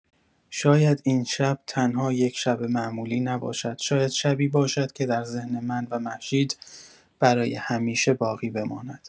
شاید این شب، تنها یک شب معمولی نباشد، شاید شبی باشد که در ذهن من و مهشید برای همیشه باقی بماند.